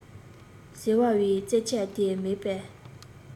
ཟེར བའི རྩེད ཆས དེ མེད པས